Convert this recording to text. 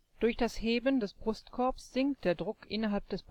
Durch das Heben des Brustkorbs sinkt der Druck innerhalb des